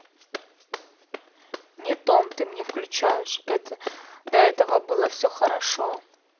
не том ты мне включаешь до этого было все хорошо